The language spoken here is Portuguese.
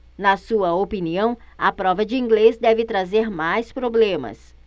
na sua opinião a prova de inglês deve trazer mais problemas